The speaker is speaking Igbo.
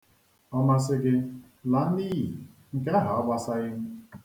Ọ masị gị, laa n'iyi, nke ahụ agbasaghị m.